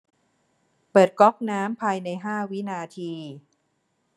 เปิดก๊อกน้ำภายในห้าวินาที